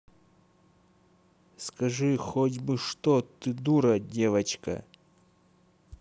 скажи хоть бы что ты дура девочка